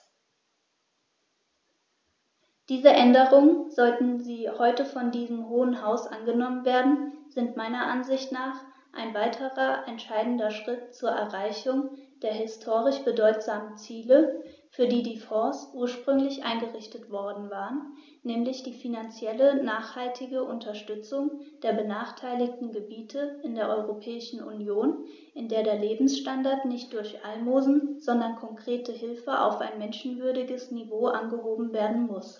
Diese Änderungen, sollten sie heute von diesem Hohen Haus angenommen werden, sind meiner Ansicht nach ein weiterer entscheidender Schritt zur Erreichung der historisch bedeutsamen Ziele, für die die Fonds ursprünglich eingerichtet worden waren, nämlich die finanziell nachhaltige Unterstützung der benachteiligten Gebiete in der Europäischen Union, in der der Lebensstandard nicht durch Almosen, sondern konkrete Hilfe auf ein menschenwürdiges Niveau angehoben werden muss.